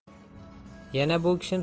yana bu kishim